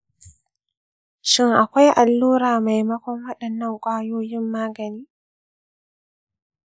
shin akwai allura maimakon waɗannan kwayoyin magani?